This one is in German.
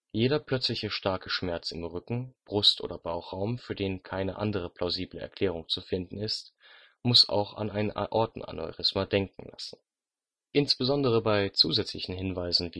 Jeder plötzliche starke Schmerz im Rücken, Brust - oder Bauchraum, für den keine andere plausible Erklärung zu finden ist, muss auch an ein Aortenaneurysma denken lassen. Insbesondere bei zusätzlichen Hinweisen